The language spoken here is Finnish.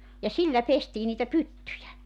ja sillä pestiin niitä pyttyjä